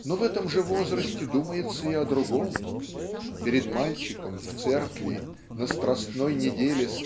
Но в этом же возрасте думается и о другом. Перед мальчиком в церкви на страстной неделе